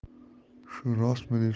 shu rostmi deb